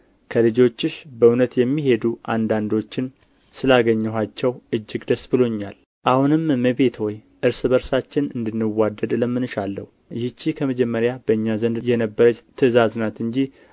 ከልጆችሽ በእውነት የሚሄዱ አንዳንዶችን ስለ አገኘኋቸው እጅግ ደስ ብሎኛል አሁንም እመቤት ሆይ እርስ በርሳችን እንድንዋደድ እለምንሻለሁ ይህች ከመጀመሪያ በእኛ ዘንድ የነበረች ትእዛዝ ናት እንጂ